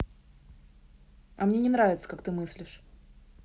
а мне не нравится как ты мыслишь